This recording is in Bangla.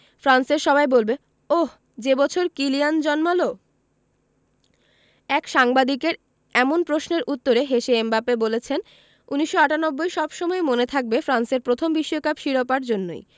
ফ্রান্সের সবাই বলবে ওহ্ যে বছর কিলিয়ান জন্মাল এক সাংবাদিকের এমন প্রশ্নের উত্তরে হেসে এমবাপ্পে বলেছেন ১৯৯৮ সব সময়ই মনে থাকবে ফ্রান্সের প্রথম বিশ্বকাপ শিরোপার জন্যই